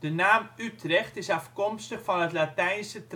naam Utrecht is afkomstig van het Latijnse